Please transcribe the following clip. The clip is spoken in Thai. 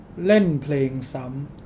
เล่นเพลงซ้ำ